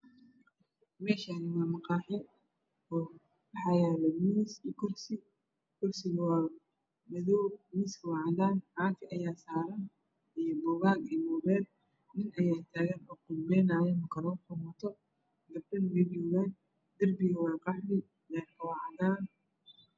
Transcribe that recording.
Meshan waa maqaaxi o waxa yaalo miis iyo kursi kursiga waa madow miiskawaacadan baati ayaasaran iyo buugaag iyomobel nin ayaatagan oqudbeynayo makarofanwato gabdhanaweyjogan derbiga waa qaxwi Leerkuwaacadan